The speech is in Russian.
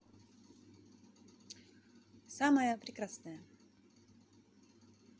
самая прекрасная